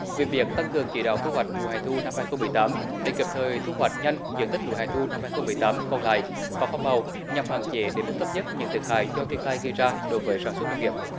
về việc tăng cường chỉ đạo thu hoạch vụ hè thu năm hai không mười tám để kịp thời thu hoạch nhanh diện tích lúa hè thu năm hai không mười tám còn lại và hoa màu nhằm hạn chế đến mức thấp nhất những thiệt hại do thiên tai gây ra đối với sản xuất nông nghiệp